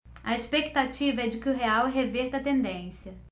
a expectativa é de que o real reverta a tendência